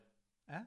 Yy?